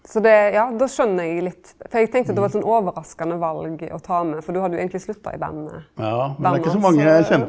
så det ja då skjønner eg litt, for eg tenkte at det var sånn overraskande val å ta med for du hadde jo eigentleg slutta i bandet bandet hans så ?